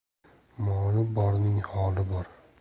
moli borning holi bor